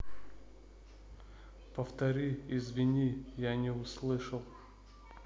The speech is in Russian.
повтори извини я не услышал